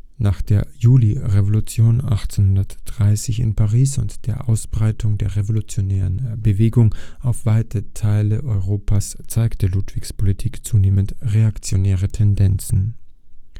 Nach der Julirevolution 1830 in Paris und der Ausbreitung der revolutionären Bewegung auf weite Teile Europas zeigte Ludwigs Politik zunehmend reaktionäre Tendenzen. Er